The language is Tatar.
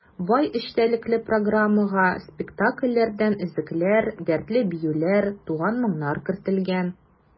Бай эчтәлекле программага спектакльләрдән өзекләр, дәртле биюләр, туган моңнар кертелгән.